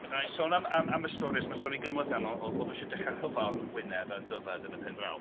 Wna i sôn am... am... am y stori, mae'n stori gymhleth iawn. Oedd oedd o eisiau dechrau rhyfel rhwng Gwynedd a Dyfed yn y pen draw.